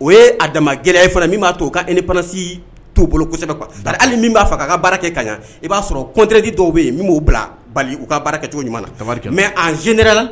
O ye a dama gɛlɛya e fana min b'a to' u ka nisi t tu bolosɛbɛ min b'a faga ka baara kɛ ka i b'a sɔrɔ kotdi tɔw bɛ yen min b'o bila bali u ka baara kɛcogo ɲuman nari mɛ sen la